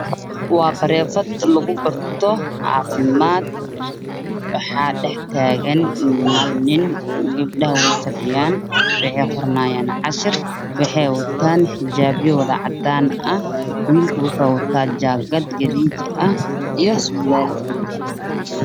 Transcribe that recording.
Waa bareefad oo lagu barto caafimad wax dhex taagn hal nin gabdhaha waafadhiyaan waxbay qoranyaan cashir wax wataan dhar cadaan ah wiilak wuxu wataa jaakad gariiji ah iyo sarwalkeeda